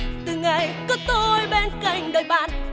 từng ngày có tôi bên cạnh cuộc đời bạn